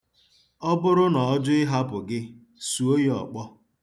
Ọ bụrụ na ọ jụ ịhapụ gị, suo ya ọkpọ.